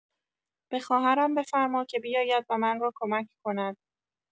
به خواهرم بفرما که بیاید و من را کمک کند!